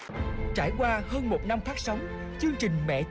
trải qua hơn một năm phát sóng chương trình mẹ